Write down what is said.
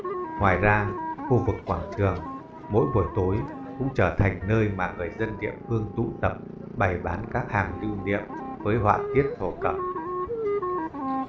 ngoài ra khu vực quảng trường mỗi buổi tối cũng trở thành nơi mà người dân địa phương tụ tập bày bán các mặt hàng lưu niệm với họa tiết thổ cẩm